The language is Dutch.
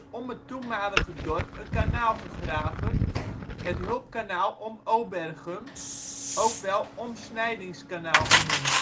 om het toenmalige dorp een kanaal gegraven, het Hulpkanaal om Obergum, ook wel Omsnijdingskanaal genoemd